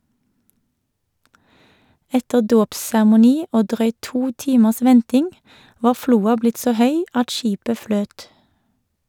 Etter dåpsseremoni og drøyt to timers venting var floa blitt så høy at skipet fløt.